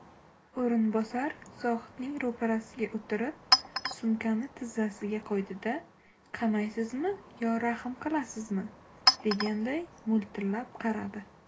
o'rinbosar zohidning ro'parasiga o'tirib sumkani tizzasiga qo'ydi da qamaysizmi yo rahm qilasizmi deganday mo'ltillab qaradi